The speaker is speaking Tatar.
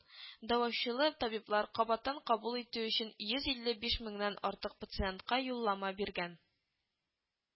Дәваучылы табиблар, кабаттан кабул итү өчен, йөз илле биш меңнән артык пациентка юллама биргән